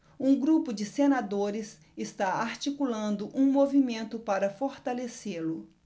um grupo de senadores está articulando um movimento para fortalecê-lo